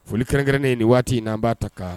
Foli kɛrɛnkɛrɛnnen ye nin waati in n an b'a ta kan